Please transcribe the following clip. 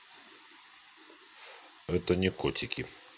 это не котики